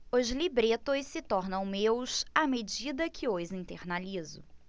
os libretos se tornam meus à medida que os internalizo